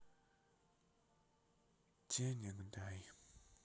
денег дай